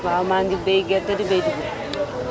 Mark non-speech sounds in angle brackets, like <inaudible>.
waaw ma ngi béy gerte di béy dugub <crosstalk>